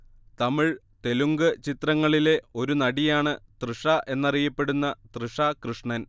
തമിഴ് തെലുങ്ക് ചിത്രങ്ങളിലെ ഒരു നടിയാണ് തൃഷ എന്നറിയപ്പെടുന്ന തൃഷ കൃഷ്ണൻ